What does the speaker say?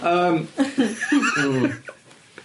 Yym. Hmm.